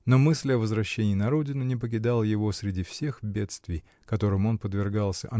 но мысль о возвращении на родину не покидала его среди всех бедствий, которым он подвергался